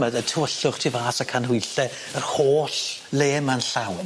Ma' dy- y tywyllwch tu fas y canhwylle yr holl le ma'n llawn.